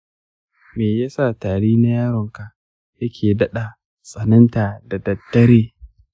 me ya sa tari na yaronka yake daɗa tsananta da daddare?